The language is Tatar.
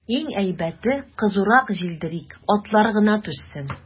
Иң әйбәте, кызурак җилдерик, атлар гына түзсен.